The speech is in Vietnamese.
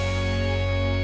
à